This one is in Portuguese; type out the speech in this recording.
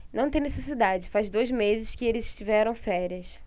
não tem necessidade faz dois meses que eles tiveram férias